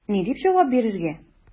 Ни дип җавап бирергә?